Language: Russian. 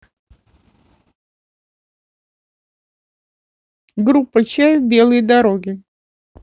группа чайф белые дороги